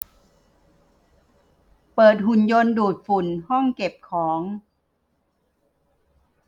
เปิดหุ่นยนต์ดูดฝุ่นห้องเก็บของ